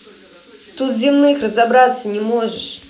тут в земных разобраться не можешь